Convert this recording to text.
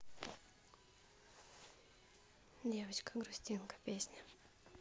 девочка грустинка песня